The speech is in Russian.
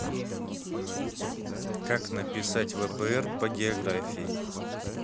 как написать впр по географии